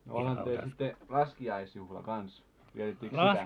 no olihan teillä sitten laskiaisjuhla kanssa vietettiinkö sitä